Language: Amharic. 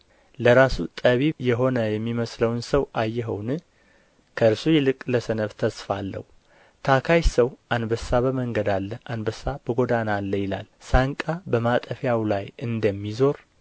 ለራሱ ጠቢብ የሆነ የሚምስለውን ሰው አየኽውን ከእርሱ ይልቅ ለሰነፍ ተስፋ አለው ታካች ሰው አንበሳ በመንገድ አለ አንበሳ በጎዳና አለ ይላል ሣንቃ በማጠፊያው ላይ እንደሚዞር